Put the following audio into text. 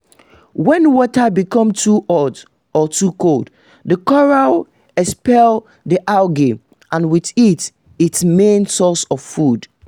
When water becomes too hot (or too cold) the corals expel the algae — and with it, its main source of food.